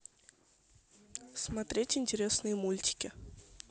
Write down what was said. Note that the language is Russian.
смотреть интересные мультики